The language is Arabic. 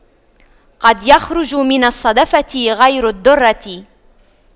قد يخرج من الصدفة غير الدُّرَّة